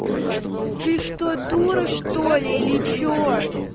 ты что дура что ли или че